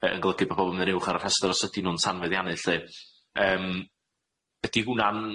yy yn golygu bo' pobol myn' yn uwch ar y rhestr os ydyn nw'n tanfeddianu lly yym ydi hwnna'n